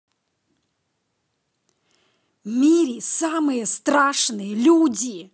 miri самые страшные люди